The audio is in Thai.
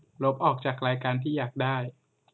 ลบออกจากรายการที่อยากได้